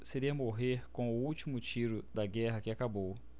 seria morrer com o último tiro da guerra que acabou